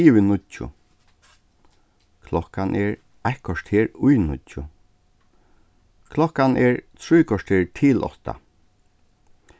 yvir níggju klokkan er eitt korter í níggju klokkan er trý korter til átta